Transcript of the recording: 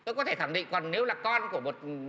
tôi có thể khẳng định còn nếu là con của một